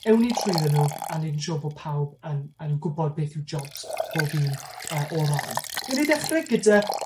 ewn ni trwyddyn nw a neud yn siwr bo' pawb yn yn gwbod beth yw jobs pob un yy o rain. Newn ni dechre gyda